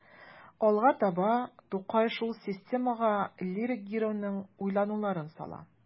Алга таба Тукай шул системага лирик геройның уйлануларын сала.